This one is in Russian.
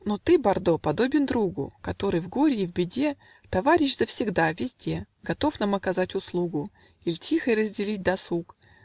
Но ты, Бордо, подобен другу, Который, в горе и в беде, Товарищ завсегда, везде, Готов нам оказать услугу Иль тихий разделить досуг.